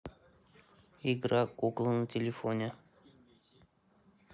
игра кукла на телефоне